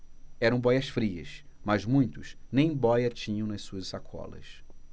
eram bóias-frias mas muitos nem bóia tinham nas suas sacolas